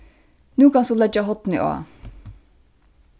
nú kanst tú leggja hornið á